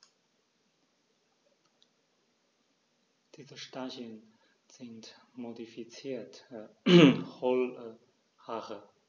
Diese Stacheln sind modifizierte, hohle Haare.